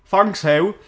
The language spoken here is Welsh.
Thanks Huw.